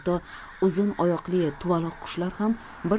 hatto uzun oyoqli tuvaloq qushlar ham bir